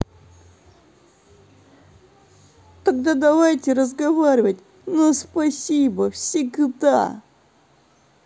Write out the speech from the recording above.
тогда давайте разговаривать на спасибо всегда